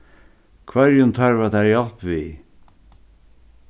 hvørjum tørvar tær hjálp við